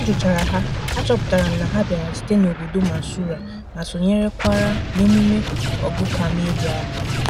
Ka m jụchara ha, achọpụtara m na ha bịara site n'obodo Mansoura ma sonyerekwara n'emume "Ọgụ Kamelụ" ahụ.